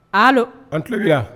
Allo a n tulo b'i la.